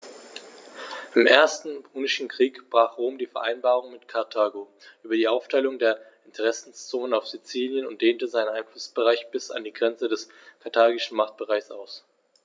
Im Ersten Punischen Krieg brach Rom die Vereinbarung mit Karthago über die Aufteilung der Interessenzonen auf Sizilien und dehnte seinen Einflussbereich bis an die Grenze des karthagischen Machtbereichs aus.